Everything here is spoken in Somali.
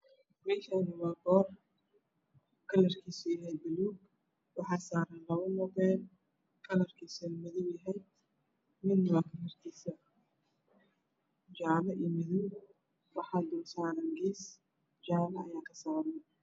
Meeshaan waa boor kalarkiisu yahay baluug waxaa saaran labo mumbeel kalarkiisu uu madow yahay. Jaalo iyo madow waxaa dulsaaran gees jaalo.